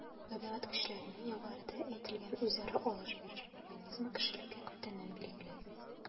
Табигать көчләренең югарыда әйтелгән үзара “алыш-биреш” механизмы кешелеккә күптәннән билгеле.